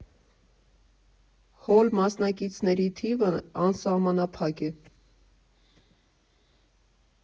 Հոլ Մասնակիցների թիվն անսահմանափակ է։